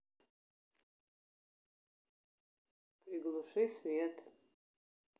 приглуши свет